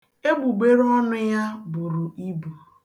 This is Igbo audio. Egbugbere ọnụ ya buru ibu